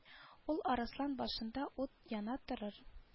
Ул арыслан башында ут яна торыр